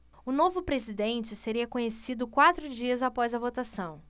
o novo presidente seria conhecido quatro dias após a votação